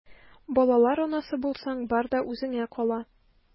Балалар анасы булсаң, бар да үзеңә кала...